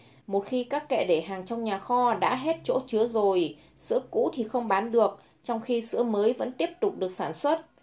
một khi các kệ để hàng trong nhà kho đã hết chỗ chứa rồi sữa cũ thì không bán được trong khi sữa mới vẫn tiếp tục được sản xuất